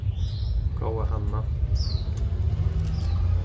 góða hanna